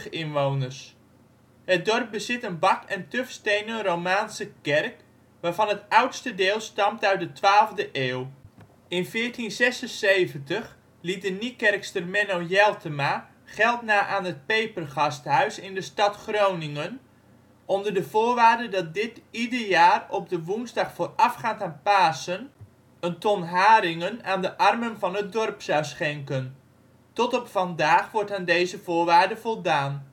inwoners. Het dorp bezit een bak - en tufstenen romaanse kerk waarvan het oudste deel stamt uit de 12e eeuw. In 1476 liet de Niekerkster Menno Jeltema geld na aan het Pepergasthuis in de stad Groningen, onder de voorwaarde dat deze ieder jaar op de woensdag voorafgaand aan de Pasen een ton haringen aan de armen van het dorp zou schenken. Tot op vandaag wordt aan deze voorwaarde voldaan